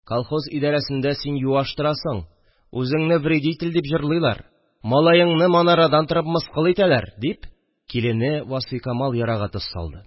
– колхоз идәрәсендә син юаш торасың, үзеңне вредитель дип җырлыйлар, малаеңны манарадан торып мыскыл итәләр, – дип, килене васфикамал ярага тоз салды